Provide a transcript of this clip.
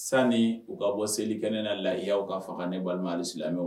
Sanni u ka bɔ seli kɛ ne layiyaw k kaa faga ka ni balima ali lamɛnmɛ